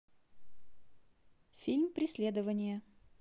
фильм преследование